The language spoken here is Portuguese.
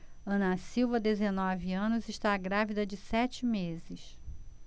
ana silva dezenove anos está grávida de sete meses